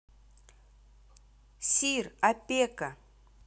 sir опека